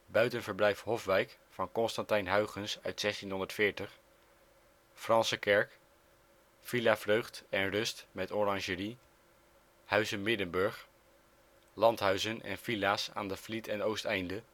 buitenverblijf Hofwijck van Constantijn Huygens uit 1640 Franse Kerk Villa Vreugd en Rust met Orangerie Huize Middenburg Landhuizen en villa 's aan de Vliet en Oosteinde